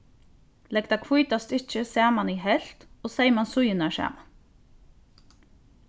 legg tað hvíta stykkið saman í helvt og seyma síðurnar saman